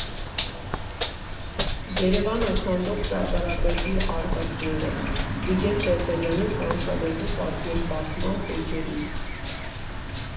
Երևանը քանդող ճարտարապետի արկածները՝ Վիգէն Պէրպէրեանի ֆրանսալեզու պատկերպատման էջերին։